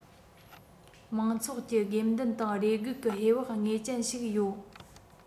མང ཚོགས ཀྱི དགོས འདུན དང རེ སྒུག ཀྱི ཧེ བག ངེས ཅན ཞིག ཡོད